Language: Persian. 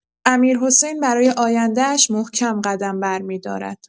امیرحسین برای آینده‌اش محکم قدم برمی‌دارد.